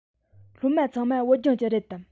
སློབ མ ཚང མ བོད ལྗོངས ཀྱི རེད དམ